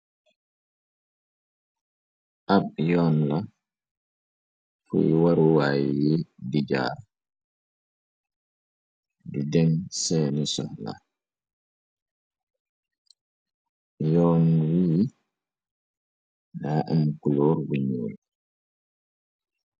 Ab yoon la fuy waruwaay yi di jaar du den seeni son la yoon yii daa am kuloor bu ñuuy.